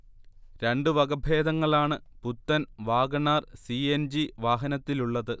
രണ്ട് വകഭേദങ്ങളാണ് പുത്തൻ Wagon R. C. N. G വാഹനത്തിലുള്ളത്